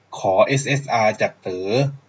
ขอเอสเอสอาจากเต๋อ